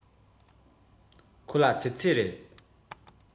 ཁོ ལ ཚེ ཚད རེད